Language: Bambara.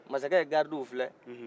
masakɛ ye gardiw filɛ